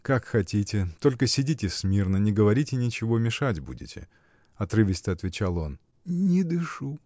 — Как хотите, только сидите смирно, не говорите ничего, мешать будете! — отрывисто отвечал он. — Не дышу!.